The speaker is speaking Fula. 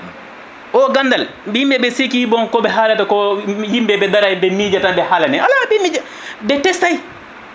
o gandal mbimi ɓe sikki bon koɓe haalata ko yimɓe ɓe daaray ɓe miji tan ɓe haalane ala ɓe miija ɓe testay